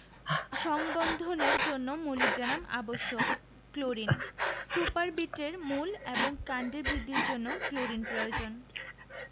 সংবন্ধনের জন্য মোলিবডেনাম আবশ্যক ক্লোরিন সুপারবিট এর মূল এবং কাণ্ডের বৃদ্ধির জন্য ক্লোরিন প্রয়োজন